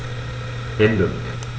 Ende.